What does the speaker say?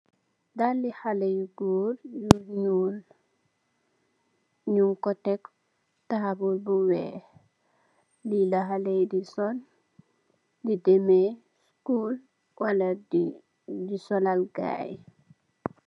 Daali xale yu góor yu nuul ngun ko tek tabul bu weex li la xale di sol di deme school wala di disolal gaay.